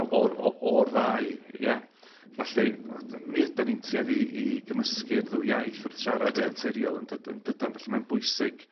O'r o- o'r ddau ia? Felly my ydan ni'n tueddu i gymysgu'r ddwy iaith wrth siarad... Ydyn. ...yn naturiol yndydyn? Dydan? Fely mae'n bwysig